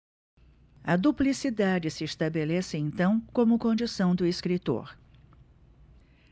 a duplicidade se estabelece então como condição do escritor